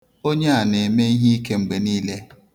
Onye a na-eme iheike mgbe niile.